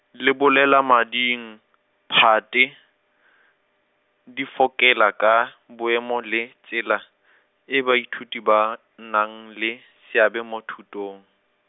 lebolelamading, phate, di fokela ka, boemo le tsela , e baithuti ba, nnang le, seabe mo thutong.